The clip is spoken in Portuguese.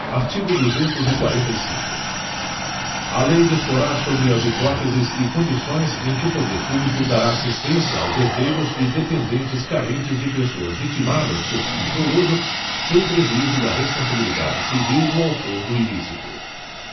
artigo duzentos e quarenta e cinco a lei disporá sobre as hipóteses e condições em que o poder público dará assistência aos herdeiros e dependentes carentes de pessoas vitimadas por crime doloso sem prejuízo da responsabilidade civil do autor do ilícito